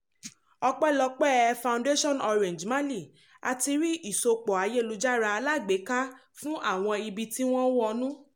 Ọpẹ́lọpẹ́ Fondation Orange Mali, a ti rí ìsopọ̀ Ayélujára alágbèéká fún àwọn ibi tí wọ́n wọnú.